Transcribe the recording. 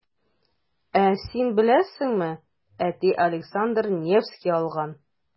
Ә син беләсеңме, әти Александр Невский алган.